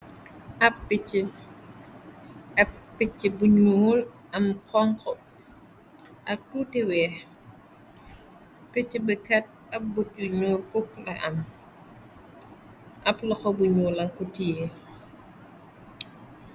ab picc buñuul, am konk, ak tuutiwee. Picc bi kat ab but yu nyuuul kuuk la am . ab loxo bu ñu ankutiee